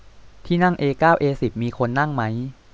ที่นั่งเอเก้าเอสิบมีคนนั่งมั้ย